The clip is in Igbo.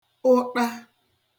ụṭa